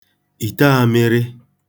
ìte āmị̄rị̄